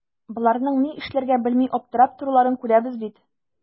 Боларның ни эшләргә белми аптырап торуларын күрәбез бит.